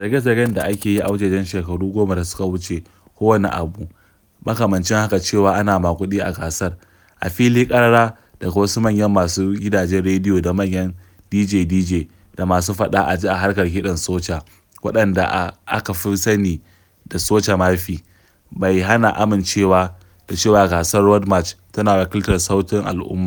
Zarge-zargen da ake yi a wajejen shekaru goma da suka wuce ko wani abu makamancin haka cewa ana maguɗi a gasar - a fili ƙarara daga wasu manyan masu gidajen redio da manyan Dije-dije da masu faɗa a ji a harkar kiɗan soca waɗanda aka fi sani da "soca mafi" - bai hana amincewa da cewa gasar Road March tana wakiltar sautin al'umma.